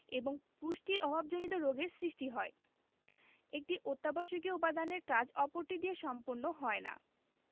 এবং পুষ্টির অভাবজনিত রোগের সৃষ্টি হয় একটি অত্যাবশ্যকীয় উপাদানের কাজ অপরটি দিয়ে সম্পন্ন হয় না